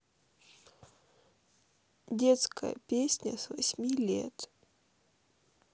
детская песня с восьми лет